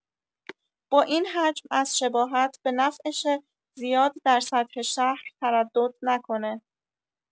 با این حجم از شباهت به نفعشه زیاد در سطح شهر تردد نکنه!